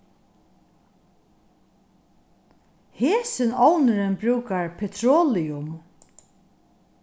hesin ovnurin brúkar petrolium